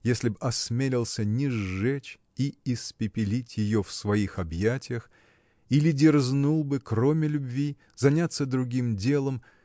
если б осмелился не сжечь и испепелить ее в своих объятиях или дерзнул бы кроме любви заняться другим делом